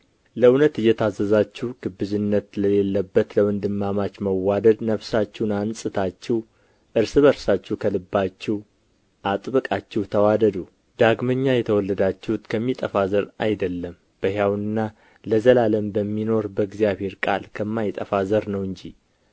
ለእውነት እየታዘዛችሁ ግብዝነት ለሌለበት ለወንድማማች መዋደደ ነፍሳችሁን አንጽታችሁ እርስ በርሳችሁ ከልባችሁ አጥብቃችሁ ተዋደዱ ዳግመኛ የተወለዳችሁት ከሚጠፋ ዘር አይደለም በሕያውና ለዘላለም በሚኖር በእግዚአብሔር ቃል ከማይጠፋ ዘር ነው እንጂ